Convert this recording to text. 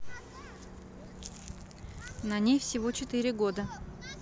на ней всего четыре года